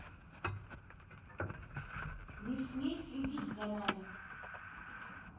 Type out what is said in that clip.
не смей следить за нами